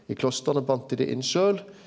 i klostera batt dei dei inn sjølv.